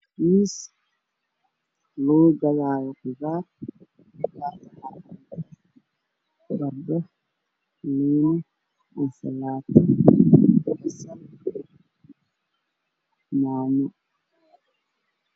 Miis lagu gadaayo qudaar barandho liin ansalaato basal io yaanyo